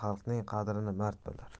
xalqning qadrini mard bilar